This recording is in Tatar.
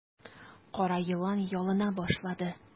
Кара елан ялына башлады.